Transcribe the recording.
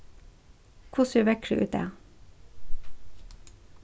hvussu er veðrið í dag